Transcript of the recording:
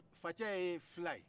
facɛ ye fula ye